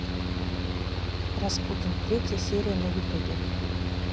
распутин третья серия на ютубе